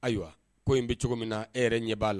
Ayiwa ko in bɛ cogo min na e yɛrɛ ɲɛ b'a la